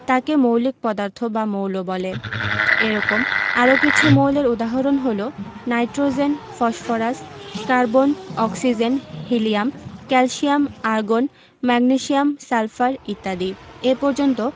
তাকে মৌলিক পদার্থ বা মৌল বলে এরকম আরও কিছু মৌলের উদাহরণ হলো nitrogen phosphorus carbon oxygen helium calcium argon magnesium sulphur ইত্যাদি এ পর্যন্ত